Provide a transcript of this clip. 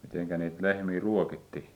miten niitä lehmiä ruokittiin